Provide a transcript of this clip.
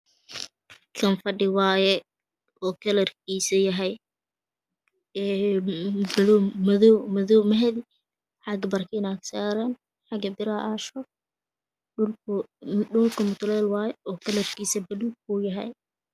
Kan fadhi waaye oo kalarkiisa yahay madoow mahali xaga barkinaa saran xagga biraa aasho dhulka mutuleel waaye oo kalarkiisu yahay o kakalarkiisu buluug uu yahay